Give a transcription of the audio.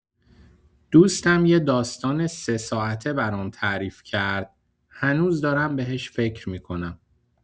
دوستم یه داستان سه‌ساعته برام تعریف کرد، هنوز دارم بهش فکر می‌کنم!